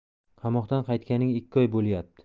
qamoqdan qaytganiga ikki oy bo'lyapti